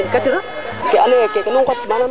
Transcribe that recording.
nda nuna njega produit kene fop